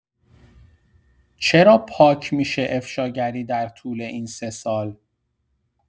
چرا پاک می‌شه افشاگری در طول این سه سال؟